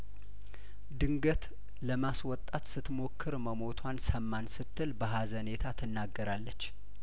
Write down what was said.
ድንገት ለማስወጣት ስት ሞክር መሞቷን ሰማን ስትል በሀዘኔታ ትናገራለች